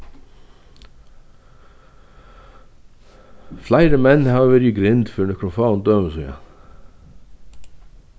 fleiri menn hava verið í grind fyri nøkrum fáum døgum síðan